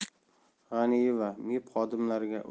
g'aniyeva mib xodimlariga